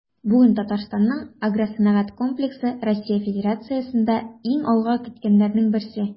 Бүген Татарстанның агросәнәгать комплексы Россия Федерациясендә иң алга киткәннәрнең берсе.